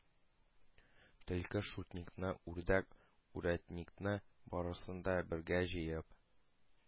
Төлке шутникны, үрдәк үрәтникны — барысын да бергә җыеп,